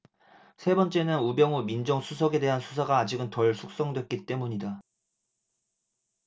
세 번째는 우병우 민정수석에 대한 수사가 아직은 덜 숙성됐기 때문이다